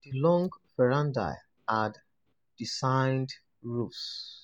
The long verandah had designed roofs.